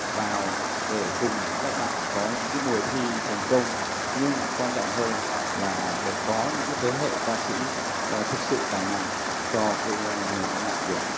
vào để cùng cái các bạn có những cái mùa thi thành công nhưng quan trọng hơn là để có những cái thế hệ ca sĩ ờ thực sự tài năng cho cái nền âm nhạc việt